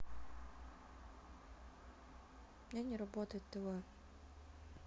у меня не работает тв